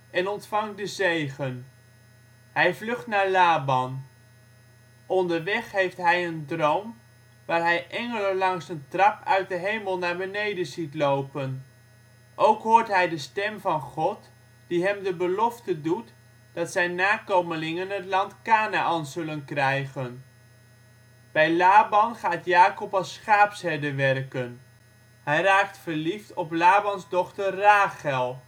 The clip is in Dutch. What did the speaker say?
en ontvangt de zegen. Hij vlucht naar Laban. Onderweg heeft hij een droom waar hij engelen langs een trap uit de hemel naar beneden ziet lopen. Ook hoort hij de stem van God die hem de belofte doet dat zijn nakomelingen het land Kanaän zullen krijgen. Bij Laban gaat Jakob als schaapsherder werken. Hij raakt verliefd om Labans ' dochter Rachel